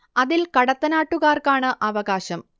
അതിൻ കടത്തനാട്ടുകാർക്കാണ് അവകാശം